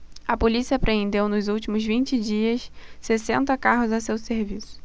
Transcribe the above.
a polícia apreendeu nos últimos vinte dias sessenta carros a seu serviço